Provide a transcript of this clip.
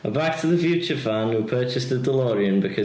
A Back to the Future fan who purchased a Delorian because...